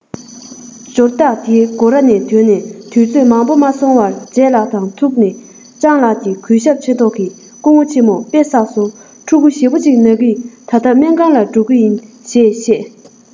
འབྱོར བདག དེའི སྒོ ར ནས དུས ཚོད མང པོ མ སོང བར ལྗད ལགས དང ཐུག ནས སྤྱང ལགས ཀྱིས གུས ཞབས ཆེ མདོག གིས སྐུ ངོ ཆེན མོ དཔེ བསགས སོང ཕྲུ གུ ཞེ པོ ཅིག ན གིས ད ལྟ སྨན ཁང ལ འགྲོ གི ཡིན ཞེས བཤད